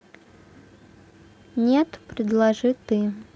нет предложи ты